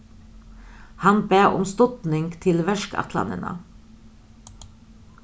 hann bað um studning til verkætlanina